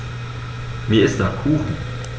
Mir ist nach Kuchen.